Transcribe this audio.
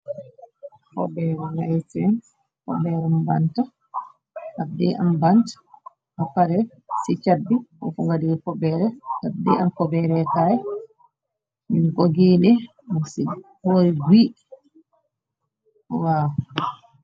xobeer waysee, xobeerum bant abdi, am bant, a pare ci cabbi, ufungari obere abdi am koberekaay, nu go gine, bu ci hori buiwa.